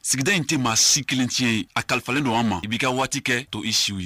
Sigida in tɛ maa si kelen tiɲɛ ye a kalifalen don an ma i b'i ka waati kɛ to i si ye